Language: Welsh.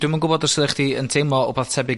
Dwi'm yn gwbod os oddech chdi yn teimlo wbath tebyg